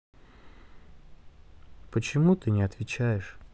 почему ты не отвечаешь